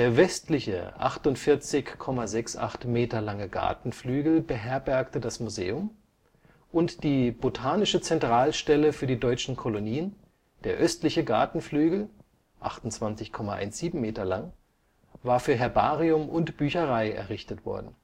westliche 48,68 Meter lange Gartenflügel beherbergte das Museum und die Botanische Zentralstelle für die deutschen Kolonien, der östliche Gartenflügel (28,17 Meter lang) war für Herbarium und Bücherei errichtet worden